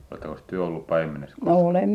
olettekos te ollut paimenessa koskaan